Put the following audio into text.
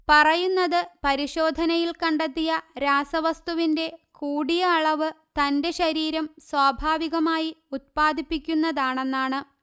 പറയുന്നത് പരിശോധനയിൽ കണ്ടെത്തിയ രാസവസ്തുവിന്റെ കൂടിയ അളവ് തന്റെ ശരീരം സ്വാഭാവികമായി ഉത്പാദിപ്പിക്കുന്നതാണെന്നാണ്